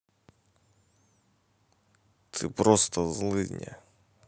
ты просто злыдня